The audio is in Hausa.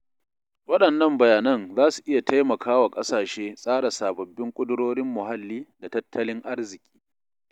Waɗannan bayanan za su iya taimaka wa ƙasashe tsara sababbin ƙudirorin muhalli da tattalin arziki.